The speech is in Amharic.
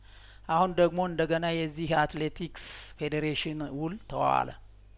አሁን ደግሞ እንደገና የዚህ የአትሌቲክስ ፌዴሬሽን ውል ተዋዋለ